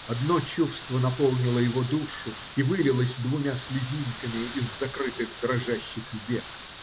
одно чувство наполнило его душу и вылилось двумя слезинками из закрытых дрожащих век.